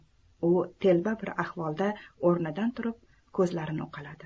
u telba bir ahvolda o'rnidan turib ko'zlarini uqaladi